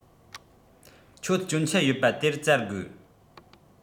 ཁྱོད སྐྱོན ཆ ཡོད པ དེར བཙལ དགོས